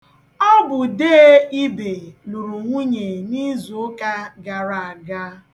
Ọ bụ dee Ibe lụrụ nwunye n'izuụka gara aga.